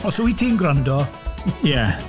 Os wyt ti'n gwrando... Ie.